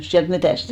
sieltä metsästä